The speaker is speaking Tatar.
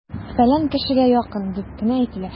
"фәлән кешегә якын" дип кенә әйтелә!